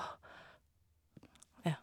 Ja.